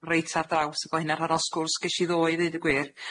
reit ar draws, ag o' hynna'n rhan o'r sgwrs gesh i ddoe i ddeud y gwir.